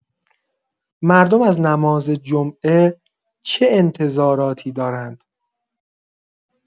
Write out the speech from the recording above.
مردم از نمازجمعه چه انتظاراتی دارند؟